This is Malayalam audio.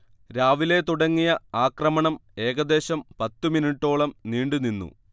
രാവിലെ തുടങ്ങിയ ആക്രമണം ഏകദേശം പത്തുമിനിട്ടോളം നീണ്ടു നിന്നു